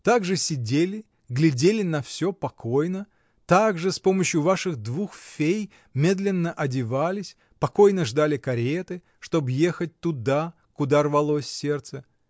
Так же сидели, глядели на всё покойно, так же, с помощью ваших двух фей, медленно одевались, покойно ждали кареты, чтоб ехать туда, куда рвалось сердце?